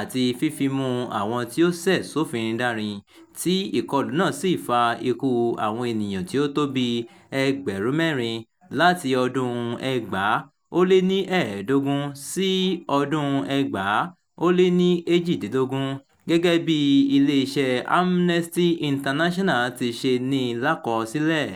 àti "fífimú àwọn tí ó ṣẹ̀ sófin dánrin", tí ìkọlù náà sì fa ikú àwọn ènìyàn tí ó tó bíi ẹgbẹ̀rún 4 láti ọdún-un 2015 sí 2018, gẹ́gẹ́ bí iléeṣẹ́ Amnesty International ti ṣe ní i lákọsílẹ̀.